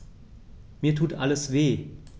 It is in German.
Mir tut alles weh.